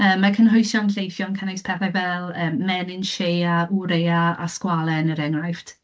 Yy, mae cynhwysion lleithio'n cynnwys pethau fel, yy, menyn sheia, wrea a sgwalen er enghraifft.